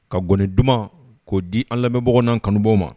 Ka gɔni dumanuma k'o di an lamɛn bɔnan kanubɔ ma